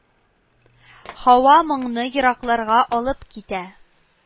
Һава моңны еракларга алып китә